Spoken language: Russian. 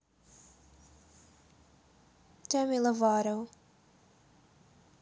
demi lovato